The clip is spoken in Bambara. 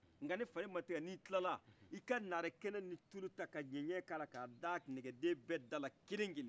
nka ni fale ma tigɛ ni i tila la i ka nare kɛnɛ ni tulu ta ka ɲɛɲɛ kɛ a la ka a da nɛgɛden bɛɛ da la kelen-kelen